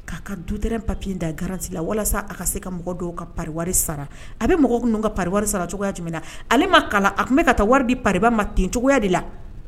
K'a ka duterɛn papi in da garanti la walasa a ka se ka mɔgɔ dɔw ka sara a bɛ mɔgɔ ninnu ka pa sara cogoya na ale ma kalan a tun bɛ ka taa wari di paba ma ten cogoya de la